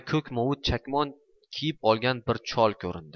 ko'k movut chakmon kiyib olgan bir chol ko'rindi